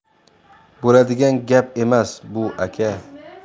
bo'ladigan gap emas bu aka